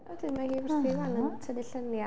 A wedyn mae hi wrthi rŵan yn tynnu lluniau.